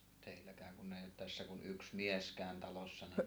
teilläkään kun ei ole tässä kuin yksi mieskään talossa niin